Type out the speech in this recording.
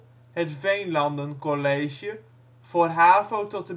het VeenLanden College, voor havo tot